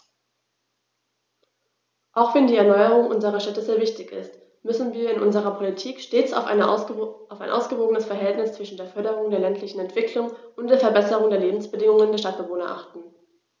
Auch wenn die Erneuerung unserer Städte sehr wichtig ist, müssen wir in unserer Politik stets auf ein ausgewogenes Verhältnis zwischen der Förderung der ländlichen Entwicklung und der Verbesserung der Lebensbedingungen der Stadtbewohner achten.